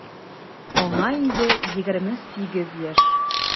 Аңа инде 28 яшь.